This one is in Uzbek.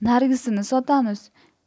narigisini sotamiz